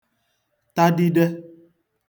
tadide